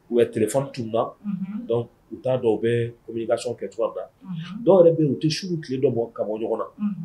U bɛ tile tun ma u t'a dɔn u bɛ kasɔn kɛ tu da dɔw yɛrɛ bɛ u tɛ su tile dɔn bɔ kaba bɔ ɲɔgɔn na